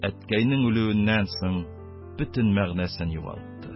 Әткәйнең үлүеннән соң бөтен мәгънәсен югалтты.